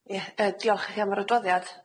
Ie, yy diolch i chi am yr adroddiad.